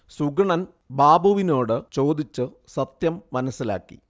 സുഗുണൻ ബാബുവിനോട് ചോദിച്ച് സത്യം മനസ്സിലാക്കി